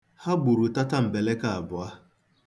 Ha gburu tatambeleke abụọ.